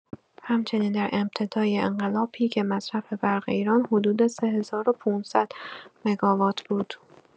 همچنین در ابتدای انقلاب پیک مصرف برق ایران حدود ۳۵۰۰ مگاوات بود.